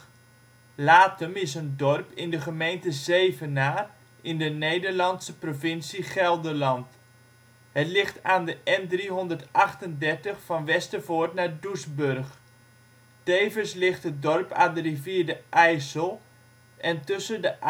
Laotem) is een dorp in de gemeente Zevenaar, in de Nederlandse provincie Gelderland. Het ligt aan de N338 van Westervoort naar Doesburg. Tevens ligt het dorp aan de rivier de IJssel en tussen de